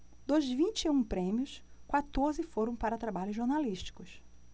dos vinte e um prêmios quatorze foram para trabalhos jornalísticos